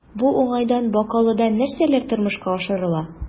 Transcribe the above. Бу уңайдан Бакалыда нәрсәләр тормышка ашырыла?